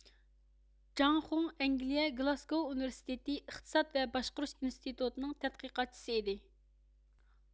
جاڭ خۇڭ ئەنگلىيە گىلاسگوۋ ئۇنىۋېرسىتېتى ئىقتىساد ۋە باشقۇرۇش ئىنستىتۇتىنىڭ تەتقىقاتچىسى ئىدى